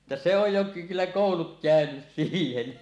että se on jo - kyllä koulut käynyt siihen